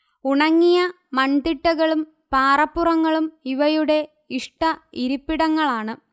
ഉണങ്ങിയ മൺതിട്ടകളും പാറപ്പുറങ്ങളും ഇവയുടെ ഇഷ്ട ഇരിപ്പിടങ്ങളാണ്